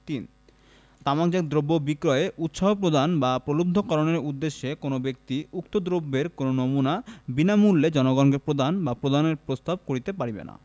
৩ তামাকজাত দ্রব্য বিক্রয়ে উৎসাহ প্রদান বা প্রলুব্ধকরণের উদ্দেশ্যে কোন ব্যক্তি উক্ত দ্রব্যের কোন নমুনা বিনামূল্যে জনগণকে প্রদান বা প্রদানের প্রস্তাব করিতে পারিবেন না